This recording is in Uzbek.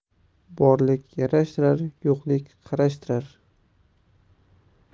borlik yarashtirar yo'qlik qarashtirar